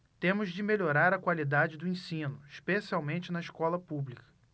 temos de melhorar a qualidade do ensino especialmente na escola pública